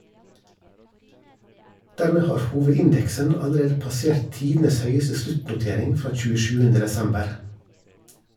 Dermed har hovedindeksen allerede passert tidenes høyeste sluttnotering fra 27. desember.